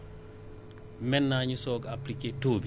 donc ñu ne dañu dindi loolu ba pare